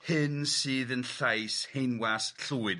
Hyn sydd yn llais haenwas llwyd.